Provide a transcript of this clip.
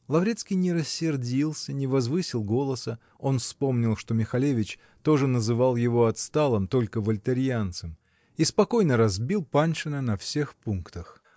Лаврецкий не рассердился, не возвысил голоса (он вспомнил, что Михалевич тоже называл его отсталым -- только вольтериянцем) -- и спокойно разбил Паншина на всех пунктах.